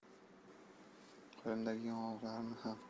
qo'limdagi yong'oqlarni ham